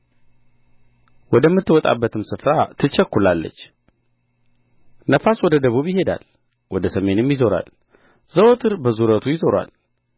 ወደምትወጣበትም ስፍራ ትቸኵላለች ነፋስ ወደ ደቡብ ይሄዳል ወደ ሰሜንም ይዞራል ዘወትር በዙረቱ ይዞራል